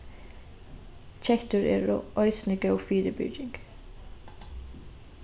kettur eru eisini góð fyribyrging